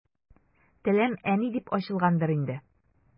Телем «әни» дип ачылгангадыр инде.